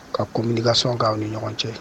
Ka ko minikasɔn'aw ni ɲɔgɔn cɛ